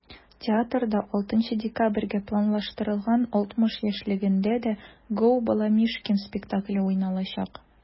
Театрда 6 декабрьгә планлаштырылган 60 яшьлегендә дә “Gо!Баламишкин" спектакле уйналачак.